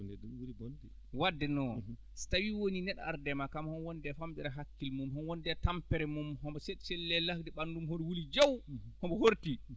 wadde noon si tawii wonii neɗɗo ardii e maa kam omo wondi e famɗere hakkille mum omo wondi tampere mum omo seeɗi seeɗi le laydi ɓalndu mum hoɗum wuli jaw homo hortii